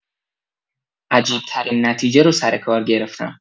عجیب‌ترین نتیجه رو سر کار گرفتم.